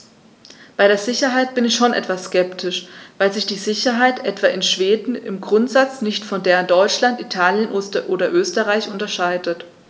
Bei der Sicherheit bin ich schon etwas skeptisch, weil sich die Sicherheit etwa in Schweden im Grundsatz nicht von der in Deutschland, Italien oder Österreich unterscheidet.